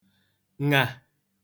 ṅà